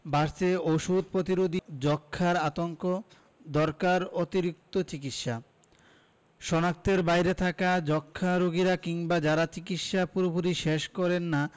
বাড়ছে ওষুধ প্রতিরোধী যক্ষ্মার আতঙ্ক দরকার অতিরিক্ত চিকিৎসা শনাক্তের বাইরে থাকা যক্ষ্মা রোগীরা কিংবা যারা চিকিৎসা পুরোপুরি শেষ করেন না